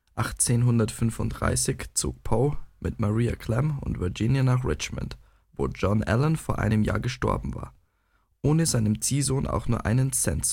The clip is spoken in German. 1835 zog Poe mit Maria Clemm und Virginia nach Richmond, wo John Allan vor einem Jahr gestorben war, ohne seinem Ziehsohn auch nur einen Cent